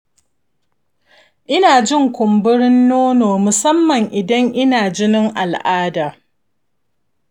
ina jin kumburin nono musamman idan ina jinin al’ada.